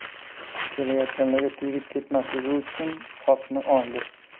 kelayotganlarga tegib ketmasligi uchun qopni oldi